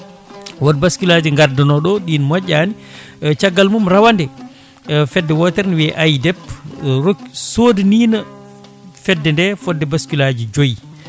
won bascule aji gaddano ɗo ɗin moƴƴani caggal mum rawade e fedde wootere ne wiiye AIDEP sodanino fedde nde fodde bascule aji joyyi